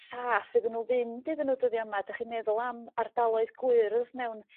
saff iddyn nhw fynd iddyn nhw dyddia' yma dych chi'n meddwl am ardaloedd gwyrdd mewn...